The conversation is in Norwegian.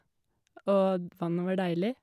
Og d vannet var deilig.